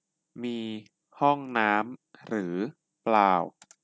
มีห้องน้ำหรือเปล่า